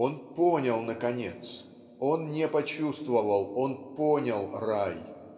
Он понял, наконец; он не почувствовал, он понял рай.